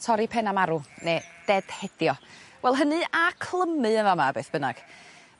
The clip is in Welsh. Torri penna marw ne' ded-hedio wel hynny a clymu yn fa' 'ma beth bynnag